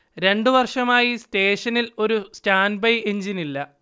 രണ്ടു വർഷമായി സ്റ്റേഷനിൽ ഒരു സ്റ്റാന്റ് ബൈ എഞ്ചിനില്ല